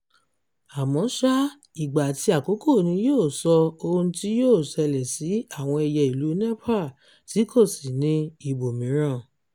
Àmọ́ ṣá ìgbà àti àkókò ni yóò sọ ohun tí yóò ṣẹlẹ̀ sí àwọn ẹyẹ ìlú Nepal tí kò sí ní ibòmíràn.